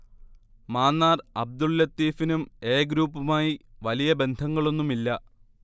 മാന്നാർ അബ്ദുൽ ലത്തീഫിനും എ ഗ്രൂപ്പുമായി വലിയ ബന്ധങ്ങളൊന്നുമില്ല